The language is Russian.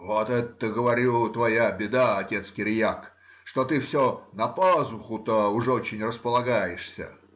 — Вот это-то,— говорю,— твоя беда, отец Кириак, что ты все на пазуху-то уже очень располагаешься.